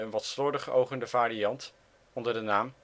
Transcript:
wat slordig ogende variant onder de naam